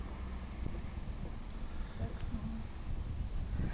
секс no